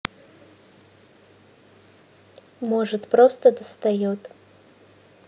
может просто достает